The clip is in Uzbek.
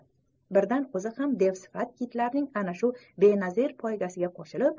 birdan o'zi ham devsifat kitlarning ana shu benazir poygasiga qo'shilib